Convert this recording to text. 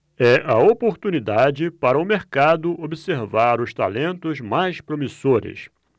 é a oportunidade para o mercado observar os talentos mais promissores